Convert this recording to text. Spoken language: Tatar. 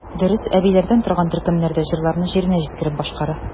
Дөрес, әбиләрдән торган төркемнәр дә җырларны җиренә җиткереп башкара.